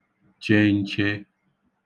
chē n̄chē